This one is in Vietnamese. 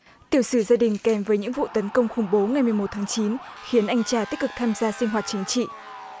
tiểu sử gia đình kèm với những vụ tấn công khủng bố ngày mười một tháng chín khiến anh trai tích cực tham gia sinh hoạt chính trị